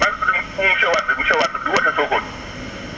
maa ngi tudd monsieur Wade monsieur Wade di wootee Sokone